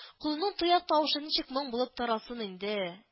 – колынның тояк тавышы ничек моң булып таралсын инде